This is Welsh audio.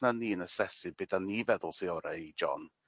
na ni yn asesu be 'dan ni feddwl sy ora' i John